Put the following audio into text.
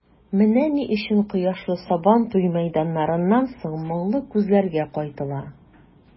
Менә ни өчен кояшлы Сабантуй мәйданнарыннан соң моңлы күзләргә кайтыла.